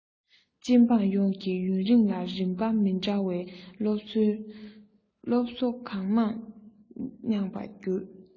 སྤྱི འབངས ཡོངས ཀྱིས ཡུན རིང ལ རིམ པ མི འདྲ བའི སློབ གྲྭའི སློབ གསོ གང མང མྱངས པ བརྒྱུད